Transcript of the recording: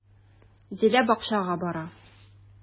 Зилә бакчага бара.